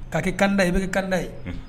K'a kɛi kanda ye i bɛ kɛ kanda ye